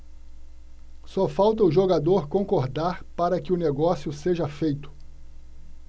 só falta o jogador concordar para que o negócio seja feito